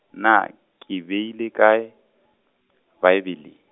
naa ke beile kae, Bibele?